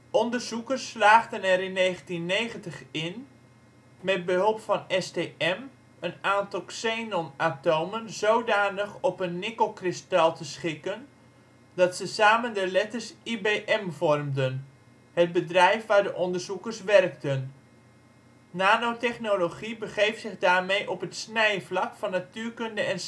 Onderzoekers slaagden er in 1990 in, met behulp van STM, een aantal xenonatomen zodanig op een nikkelkristal te schikken dat ze samen de letters IBM vormden - het bedrijf waar de onderzoekers werkten. Nanotechnologie begeeft zich daarmee op het snijvlak van natuurkunde en scheikunde